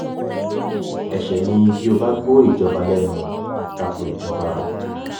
Ẹ̀ṣẹ̀ ni bí o bá gbó ìjọba lẹ́nu (tako ìjọba)